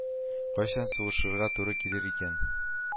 Кайчан сугышырга туры килер икән